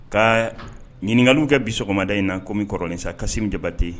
Ka ɲininkaka kɛ bi sɔgɔmada in na kɔmiɔrɔnin sa kasisi jabate